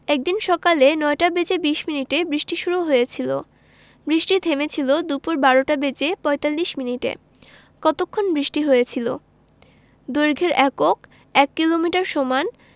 একদিন সকালে ৯টা বেজে ২০ মিনিটে বৃষ্টি শুরু হয়েছিল বৃষ্টি থেমেছিল দুপুর ১২টা বেজে ৪৫ মিনিটে কতক্ষণ বৃষ্টি হয়েছিল দৈর্ঘ্যের এককঃ ১ কিলোমিটার